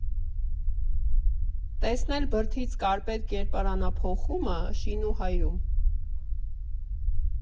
Տեսնել բրդից կարպետ կերպարանափոխումը Շինուհայրում։